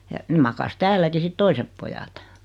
ja ne makasi täälläkin sitten toiset pojat